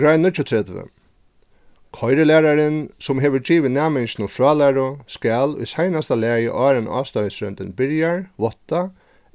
grein níggjuogtretivu koyrilærarin sum hevur givið næminginum frálæru skal í seinasta lagi áðrenn áðrenn ástøðisroyndin byrjar vátta